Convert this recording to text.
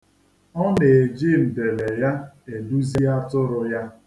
O na-eji ndele ya eduzi atụrụ ya.